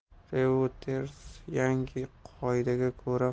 reutersyangi qoidaga ko'ra favqulodda tartib